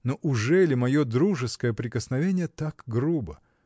Но ужели мое дружеское прикосновение так грубо?.